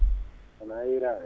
wona hir*